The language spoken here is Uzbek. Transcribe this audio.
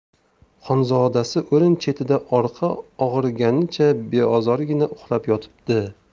xonzodasi o'rin chetida orqa o'girganicha beozorgina uxlab yotibdi